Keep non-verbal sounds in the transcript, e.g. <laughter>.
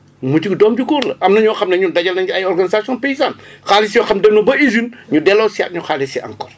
mucc gi doom bu góor la am na ñoo xam ne ñun daje nañ ay organisations paysanes <breath> xaalis yoo xam ne dem na ba usine ñu delloosiwaat ñu xaalis yi encore